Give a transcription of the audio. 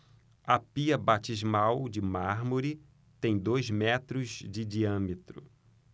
a pia batismal de mármore tem dois metros de diâmetro